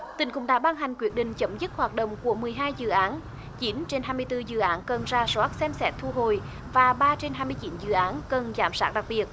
tỉnh cũng đã ban hành quyết định chấm dứt hoạt động của mười hai dự án chín trên hai mươi tư dự án cần rà soát xem xét thu hồi và ba trên hai mươi chín dự án cần giám sát đặc biệt